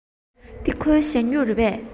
འདི ཁོའི ཞ སྨྱུག རེད པས